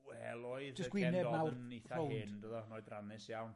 Wel oedd yn eitha hen doedd o, yn oedrannus iawn.